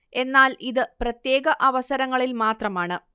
എന്നാൽ ഇത് പ്രത്യേക അവസരങ്ങളിൽ മാത്രമാണ്